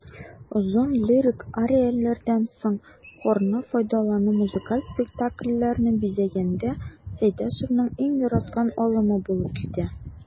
Озын лирик арияләрдән соң хорны файдалану музыкаль спектакльләрне бизәгәндә Сәйдәшевнең иң яраткан алымы булып китә.